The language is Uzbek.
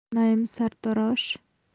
naim sartarosh